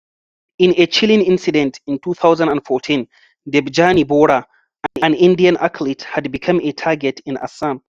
In a chilling incident in 2014, Debjani Bora, an Indian athlete had become a target in Assam.